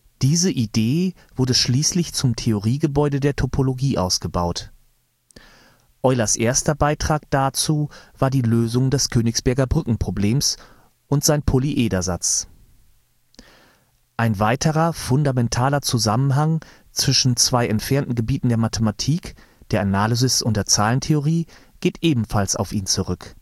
Diese Idee wurde schließlich zum Theoriegebäude der Topologie ausgebaut. Eulers erster Beitrag dazu war die Lösung des Königsberger Brückenproblems und sein Polyedersatz. Ein weiterer fundamentaler Zusammenhang zwischen zwei entfernten Gebieten der Mathematik, der Analysis und der Zahlentheorie geht ebenfalls auf ihn zurück